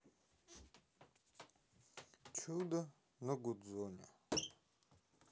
чудо на гудзоне